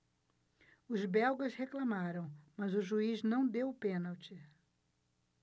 os belgas reclamaram mas o juiz não deu o pênalti